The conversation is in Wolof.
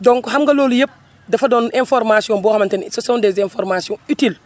donc xam nga loolu yëpp dafa doon information boo xamante ni ce sont des informations utiles